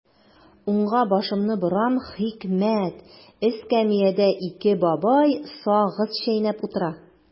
Уңга башымны борам– хикмәт: эскәмиядә ике бабай сагыз чәйнәп утыра.